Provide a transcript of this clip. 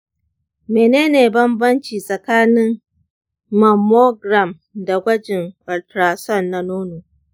menene bambanci tsakanin mammogram da gwajin ultrasound na nono?